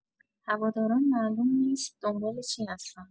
هواداران معلوم نیست دنبال چی هستن